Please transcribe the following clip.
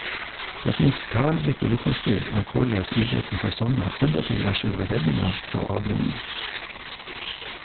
Det finst talrike vitnesbyrd om korleis idretten for somme endåtil er sjølve redninga frå avgrunnen.